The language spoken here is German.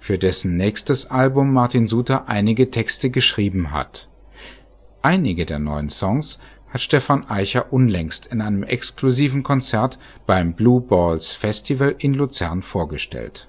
für dessen nächstes Album Martin Suter einige Texte geschrieben hat - einige der neuen Songs (" Charlie ") hat Stephan Eicher unlängst in einem exklusiven Konzert beim Blue Balls Festival in Luzern vorgestellt